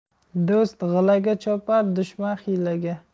do'st gilaga chopar dushman hiylaga